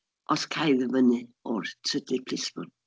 Os ca i ddyfynu o'r Trydydd Plismon